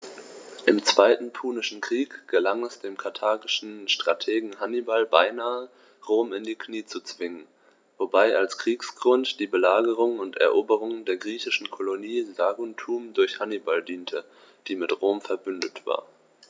Im Zweiten Punischen Krieg gelang es dem karthagischen Strategen Hannibal beinahe, Rom in die Knie zu zwingen, wobei als Kriegsgrund die Belagerung und Eroberung der griechischen Kolonie Saguntum durch Hannibal diente, die mit Rom „verbündet“ war.